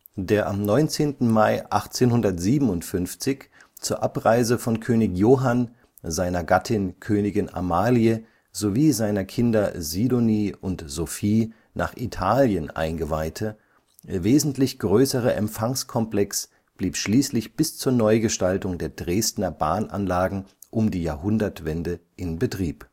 Der am 19. Mai 1857 zur Abreise von König Johann, seiner Gattin Königin Amalie sowie seiner Kinder Sidonie und Sophie nach Italien eingeweihte, wesentlich größere Empfangskomplex blieb schließlich bis zur Neugestaltung der Dresdner Bahnanlagen um die Jahrhundertwende in Betrieb